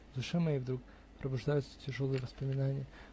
В душе моей вдруг пробуждаются тяжелые воспоминания.